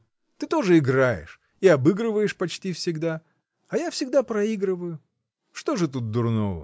Ты тоже играешь и обыгрываешь почти всегда, а я всегда проигрываю. Что же тут дурного?